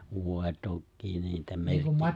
voi tokiin niitä -